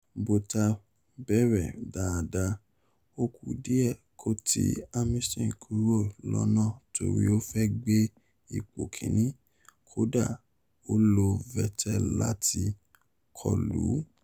Botta bẹ̀rẹ̀ dáadáa. Ó ku díẹ̀ kó ti Hamilton kúrọ̀ lọ́nà torí ó fẹ́ gbé ipò kìíní. Kódà, ó lo Vettel láti ko lù ú.